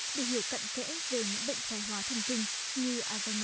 để hiểu cặn kẽ về những bệnh thoái hóa thần kinh như a den